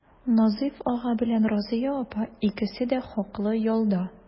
Назыйф ага белән Разыя апа икесе дә хаклы ялда.